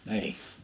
niin